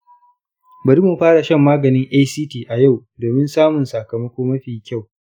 bari mu fara shan maganin act a yau domin samun sakamako mafi kyau.